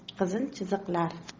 qizil chiziqlar